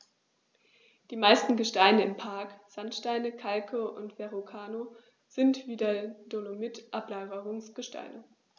Die meisten Gesteine im Park – Sandsteine, Kalke und Verrucano – sind wie der Dolomit Ablagerungsgesteine.